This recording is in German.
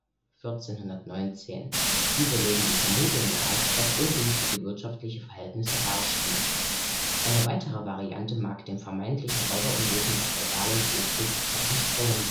1419), diese legen die Vermutung nahe, dass ungünstige wirtschaftliche Verhältnisse herrschten. Eine weitere Variante mag dem vermeintlichen Räuberunwesen der feudalen Hofbesitzer entsprungen